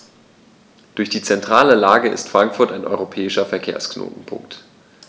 Durch die zentrale Lage ist Frankfurt ein europäischer Verkehrsknotenpunkt.